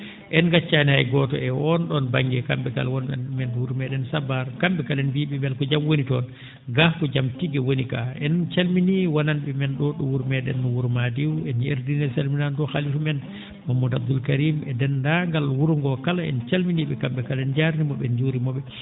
en ngaccaani hay gooto e oon ?oon ba?nge e kam?e kala won?e wuro mee?en Sabar kam?e kala en mbiyii ?e mbele ko jam woni toon gaa ko jam tigi woni gaa en calminii wonan?e men ?oo ?oo wuro mee?en Wuro Madiw en jawtidini salminaago halifaa men Mamadou Abdoul Karim e deenndaangal wuro ngoo kala en calminii?e kam?e kala en njarniima ?e en njuuriima ?e